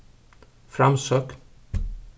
framsókn